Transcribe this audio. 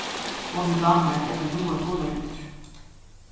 honum dámar at eta ráar gularøtur